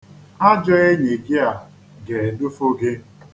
Ajọ enyi gị a ga-edufu gị.